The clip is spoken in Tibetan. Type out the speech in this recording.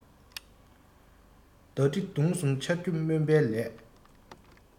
མདའ གྲི མདུང གསུམ འཕྱར རྒྱུ སྨྱོན པའི ལས